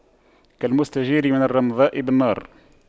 كالمستجير من الرمضاء بالنار